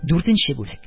Дүртенче бүлек